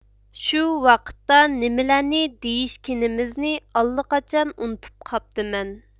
شۇ ۋاقىتتا نېمىلەرنى دېيىشكىنىمىزنى ئاللىقاچان ئۇنتۇپ قاپتىمەن